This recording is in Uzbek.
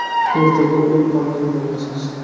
ertaga o'lib qolganday yashash